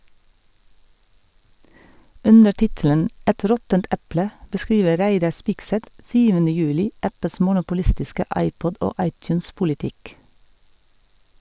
Under tittelen «Et råttent eple» beskriver Reidar Spigseth 7. juli Apples monopolistiske iPod- og iTunes-politikk.